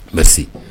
merci